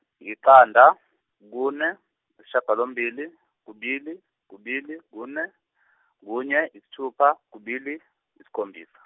yiqanda, kune yishagalombili kubili kubili kune, kunye yis'thupha kubili yis'khombisa.